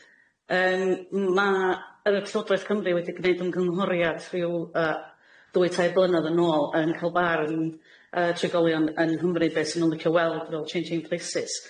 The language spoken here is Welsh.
Yym ma' yy Llywodraeth Cymru wedi gneud ymgynghoriad rhyw yy ddwy tair blynedd yn ôl, yn ca'l barn yy trigolion yng Nghymru be' se' nw'n licio weld fel changing places